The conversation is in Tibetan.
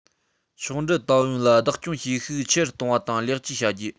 ཕྱོགས འགྲུལ ཏང ཡོན ལ བདག སྐྱོང བྱེད ཤུགས ཆེ རུ གཏོང བ དང ལེགས བཅོས བྱ རྒྱུ